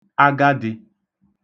agadị̄